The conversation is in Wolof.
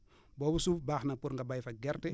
boobu suuf baax na pour béy fa gerte